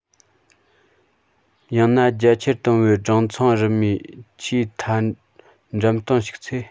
ཡང ན རྒྱ ཇེ ཆེར བཏང བའི སྦྲང ཚང རིབ མའི ཆེས མཐའ འགྲམ སྟེང བྱུགས ཚེ